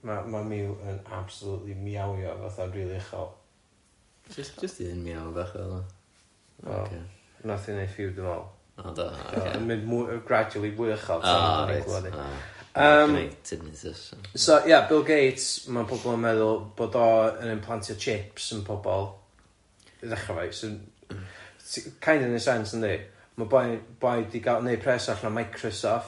Ma- ma' Miw yn absolutely miawio fatha'n rili uchel. Jyst jyst un miaw bach oedd o. Oce. 'Nath hi 'neud few dwi'n meddwl. O do, ocê. O'dd o'n mynd mwy yy gradually fwy uchel tan... O reit ...Yym so ia Bill Gates ma' pobol yn meddwl bod o yn implantio chips yn pobol, i ddechra' efo'i sy'n kind of 'neud sense yndi ma' boi boi 'di gal 'neud pres allan o Microsoft...